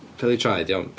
Peli traed, iawn.